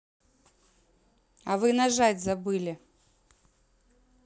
а вы нажать забыли